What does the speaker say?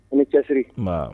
I ni cɛsiri nba